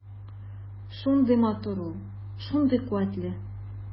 Шундый матур ул, шундый куәтле.